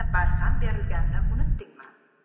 barham berilganini unutdingmi